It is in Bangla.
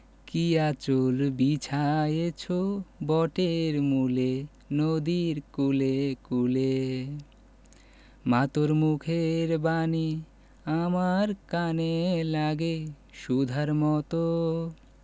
কী আঁচল বিছায়েছ বটের মূলে নদীর কূলে কূলে মা তোর মুখের বাণী আমার কানে লাগে সুধার মতো